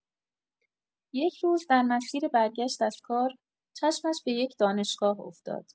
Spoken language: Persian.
یک روز، در مسیر برگشت از کار، چشمش به یک دانشگاه افتاد.